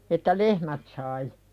että lehmät sai